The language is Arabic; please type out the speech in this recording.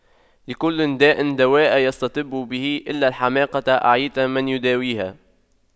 لكل داء دواء يستطب به إلا الحماقة أعيت من يداويها